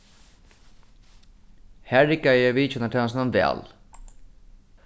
har riggaði vitjanartænastan væl